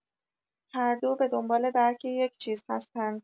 هر دو به دنبال درک یک چیز هستند